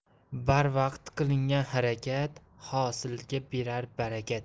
barvaqt qilingan harakat hosilga berar barakat